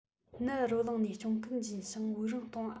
ནད རོ ལངས ནས གཅོང སྐད འབྱིན ཞིང དབུགས རིང གཏོང བ